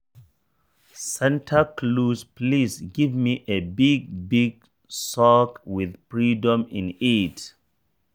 Santa Claus, pls give me a big big sock with freedom in it.